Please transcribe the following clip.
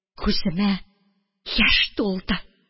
Күземә яшь тулды.